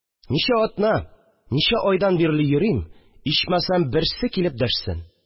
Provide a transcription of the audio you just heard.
Ничә атна, ничә айдан бирле йөрим, ичмасам, берсе килеп дәшсен